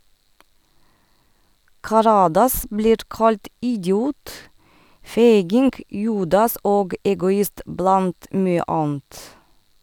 Karadas blir kalt idiot, feiging, judas og egoist - blant mye annet.